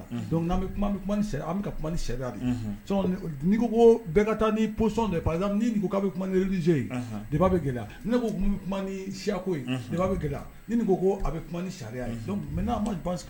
Unhun, donc n'an bɛ kuma an bɛ kuma siri an bɛ ka kuma ni sariya de ye, unhun, sinon n'i ko ko bɛɛ ka taa ni position dɔ ye, par exemple ni nin ko k'a bɛ kuma ni _réligieux ye, unhun, débat gɛlɛya, ni ne ko n bɛ kuma ni siyako ye, unhun, débat bɛ gɛlɛya, n nin ko a bɛ kuma ni sariya ye, unhun, maintenant moi je pense que